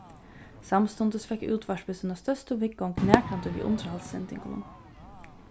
samstundis fekk útvarpið sína størstu viðgongd nakrantíð við undirhaldssendingunum